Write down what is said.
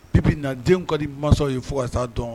Ppiina den ka di mansa ye fo kasa dɔn